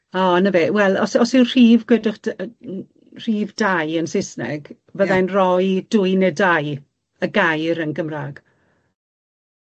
O 'ny fe wel os os yw rhif gwedwch dy- yy yy rhif dau yn Saesneg fyddai'n rhoi dwy neu dau y gair yn Gymra'g.